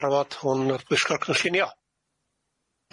drafod hwn o'r bwyllgor cynllunio.